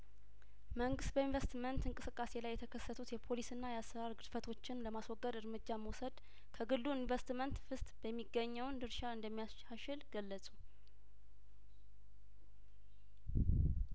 መንግስት በኢንቨስትመንት እንቅስቃሴ ላይየተከሰቱት የፖሊስና የአሰራር ግድፈቶችን ለማስወገድ እርምጃ መውሰድ ከግሉ እንቨስትመንት ፍሰት በሚገኘውን ድርሻ እንደሚያሻሽል ገለጹ